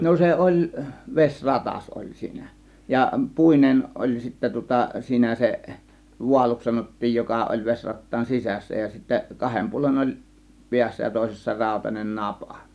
no se oli vesi ratas oli siinä ja puinen oli sitten tuota siinä se vaaluksi sanottiin joka oli vesirattaan sisässä ja sitten kahden puolen oli päässä ja toisessa rautainen napa